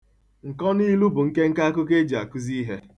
Nkọnilu bụ nkenke akụkọ e ji akụzi ihe.